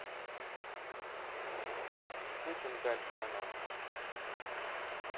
все чем дальше одна